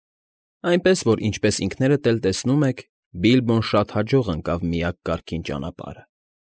Այնպես որ, ինչպես ինքներդ էլ տեսնում եք, Բիլբոն շատ հաջող ընկավ միակ կարգին ճանապարհը։